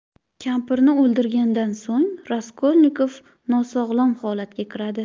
kampirni o'ldirgandan so'ng raskolnikov nosog'lom holatga kiradi